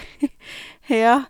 Ja.